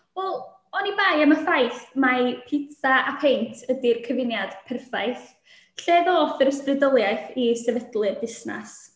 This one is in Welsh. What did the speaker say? Wel, oni bai am y ffaith mai pitsa a peint ydy'r cyfuniad perffaith. Lle ddoth yr ysbrydoliaeth i sefydlu'r busnes?